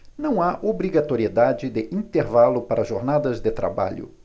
não há obrigatoriedade de intervalo para jornadas de trabalho